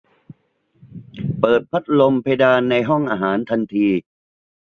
เปิดพัดลมเพดานในห้องอาหารทันที